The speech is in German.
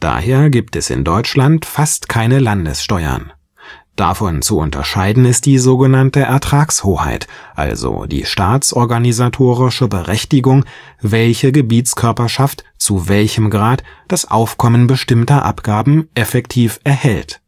Daher gibt es in Deutschland fast keine Landessteuern. Davon zu unterscheiden ist die so genannte Ertragshoheit, also die staatsorganisatorische Berechtigung, welche Gebietskörperschaft zu welchem Grad das Aufkommen bestimmter Abgaben effektiv erhält